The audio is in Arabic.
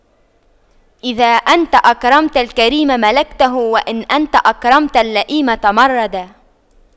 إذا أنت أكرمت الكريم ملكته وإن أنت أكرمت اللئيم تمردا